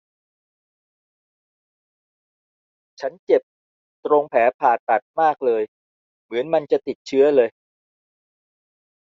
ฉันเจ็บตรงแผลผ่าตัดมากเลยเหมือนมันจะติดเชื้อเลย